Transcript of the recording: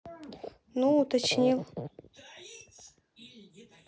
ну уточнил